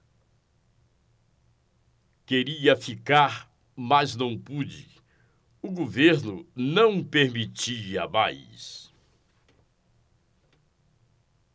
queria ficar mas não pude o governo não permitia mais